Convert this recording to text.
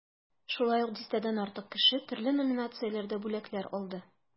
Шулай ук дистәдән артык кеше төрле номинацияләрдә бүләкләр алды.